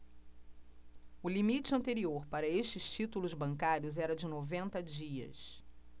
o limite anterior para estes títulos bancários era de noventa dias